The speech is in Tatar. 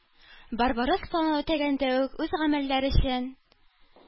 “барбаросс” планын үтәгәндә үз гамәлләре өчен